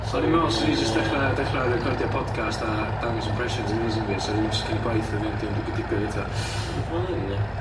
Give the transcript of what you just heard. Oni'n me'wl swn i jyst dechra dechra recordio podcast a dangos impressions amazing fi sa rywun jyst cynnig gwaith i fi ond 'di o'm 'di dy- digwydd eto. Hmm pam ddim 'e?